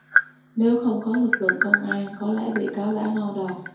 nếu không có lực lượng công an có lẽ bị cáo đã no đòn